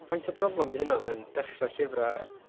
Faint o broblem 'di hynna dden dechrau llyfrau...?